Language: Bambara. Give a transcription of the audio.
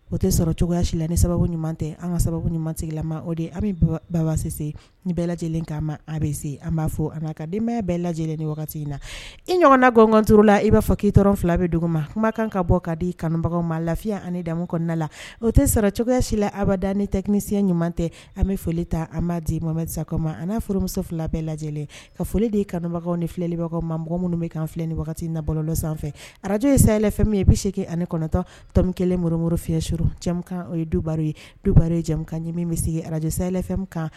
O tɛ sɔrɔ cogoyayasi ni sababu ɲuman tɛ an ka sababu ɲumansigi o de an bɛ babase ni bɛɛ lajɛlen k' ma a bɛ se an b'a fɔ a'a ka denbaya bɛɛ lajɛ lajɛlen ni wagati in na i ɲɔgɔn na gɔnturu la i b' fɔ k kii dɔrɔn fila bɛ dugu ma kuma kan ka bɔ ka di kanubaga ma lafiya ani damu kɔnɔna la o tɛ sɔrɔ cogoyayasila ada ni tɛinisiya ɲuman tɛ an bɛ foli ta an ma di masama an n'a fmuso fila bɛɛ lajɛ ka foli de ye kanubagaw ni filɛlibagaw ma mɔgɔ minnu bɛ kan filɛ ni nabɔlɔlɔ sanfɛ arajo ye sayayfɛ min ye i bɛ se ani kɔnɔtɔ tɔ kelen morimuru fiyɛn sur o ye duba ye duba yekan ɲɛmi bɛ sigi araj sayayfɛn kan